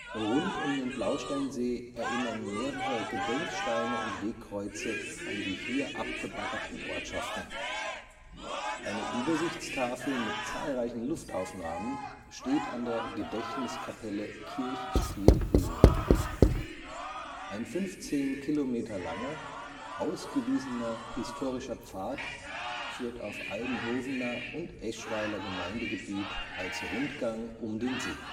Rund um den Blausteinsee erinnern mehrere Gedenksteine und Wegkreuze an die hier abgebaggerten Ortschaften. Eine Übersichtstafel mit zahlreichen Luftaufnahmen steht an der Gedächtniskapelle Kirchspiel Lohn. Ein 15 km langer, ausgewiesener Historischer Pfad führt auf Aldenhovener und Eschweiler Gemeindegebiet als Rundgang um den See